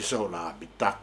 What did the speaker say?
La